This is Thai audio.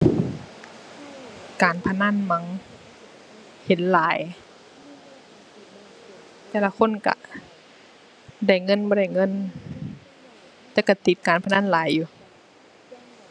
การพนันมั้ง เห็นหลาย แต่ละคนก็ได้เงินบ่ได้เงิน แต่ก็ติดการพนันหลายอยู่